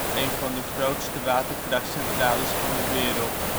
een van de grootste waterkrachtscentrales van de wereld